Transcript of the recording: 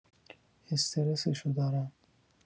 استرسشو دارم